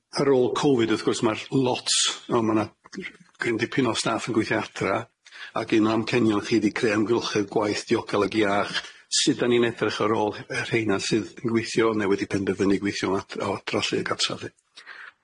Ar ôl Covid wrth gwrs ma'r lot o ma' 'na dipyn o staff yn gweithio adra ac un o amcenion chi 'di creu amgylchedd gwaith diogel ag iach, sud 'dan ni'n edrych ar ôl yy rheina sydd yn gweithio ne' wedi penderfynu gweithio o ad- o droslu y cartra 'lly.